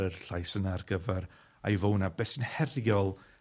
yr llais yna ar gyfar Ivona. Be' sy'n heriol